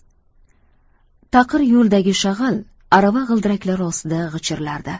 taqir yo'ldagi shag'al arava g'ildiraklari ostida g'ichirlardi